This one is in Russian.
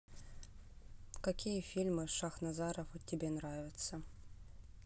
какие фильмы шахназарова тебе нравятся